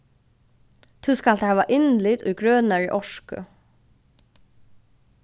tú skalt hava innlit í grønari orku